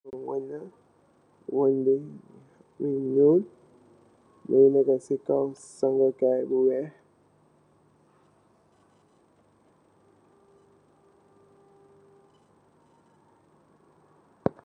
Li wunye la, wunye bi mungi ñuul mungi neka ci kaw sangokai lu weex.